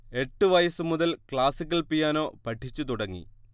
എട്ട് വയസ് മുതൽ ക്ലാസിക്കൽ പിയാനോ പഠിച്ച് തുടങ്ങി